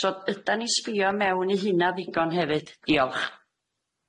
So ydan ni sbïo mewn i hynna ddigon hefyd? Diolch.